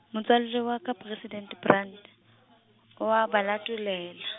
motswalle wa ka President Brand, o a ba latolela.